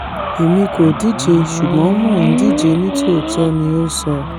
Emi ko díje, ṣùgbọn Mo ń díje nítòótọ́,'' ni ó sọ.